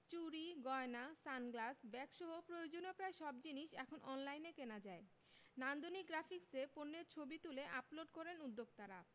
চুড়ি গয়না সানগ্লাস ব্যাগসহ প্রয়োজনীয় প্রায় সব জিনিস এখন অনলাইনে কেনা যায় নান্দনিক গ্রাফিকসে পণ্যের ছবি তুলে আপলোড করেন উদ্যোক্তারা